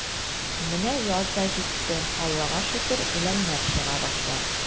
Менә яз да житте, Аллага шөкер, үләннәр чыга башлар.